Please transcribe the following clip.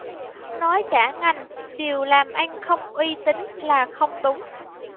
nói cả ngành điều làm ăn không uy tín là không đúng